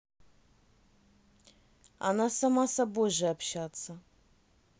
она сама собой же общаться